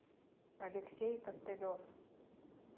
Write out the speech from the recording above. алексей костылев